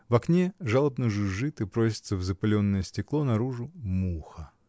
в окне жалобно жужжит и просится в запыленное стекло наружу муха.